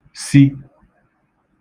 sì